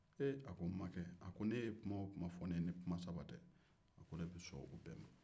eee a ko n' makɛ a ko ni e ye kuma o kuma fɔ ne ye ni kuma saba tɛ ko ne bɛ sɔn o bɛɛ ma